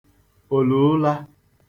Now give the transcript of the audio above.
òlùụla